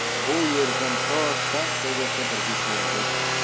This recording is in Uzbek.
bu yerdan to stansiyagacha birga keldik